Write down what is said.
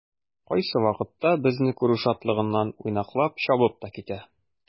Кайсы вакытта безне күрү шатлыгыннан уйнаклап чабып та китә.